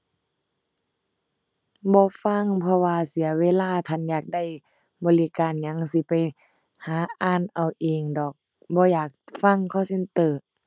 บ่ฟัง เพราะว่าเสียเวลา คันอยากได้บริการหยังสิไปหาอ่านเอาเองดอก บ่อยากฟัง call center